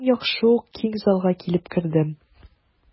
Мин яхшы ук киң залга килеп кердем.